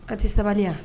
A tɛ sabali yan